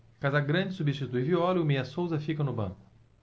casagrande substitui viola e o meia souza fica no banco